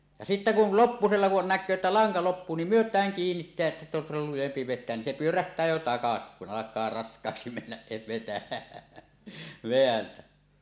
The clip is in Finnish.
ja sitten kun lopuksi kun näkee että lanka loppuu niin myötään kiinnittää että se on silloin lujempi vetää niin se pyörähtää jo takaisin kun alkaa raskaaksi mennä se - vetää